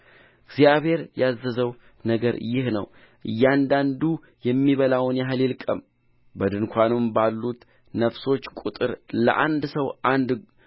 እግዚአብሔር ያዘዘው ነገር ይህ ነው እያንዳንዱ የሚበላውን ያህል ይልቀም በድኳኑ ባሉት ነፍሶች ቍጥር ለአንድ ሰው አንድ